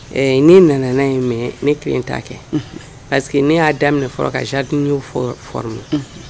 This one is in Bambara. Ni nana' ye mɛ ne tile t'a kɛ paseke ne y'a daminɛ fɔlɔ ka zd foro